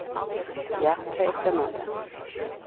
ja tað er spennandi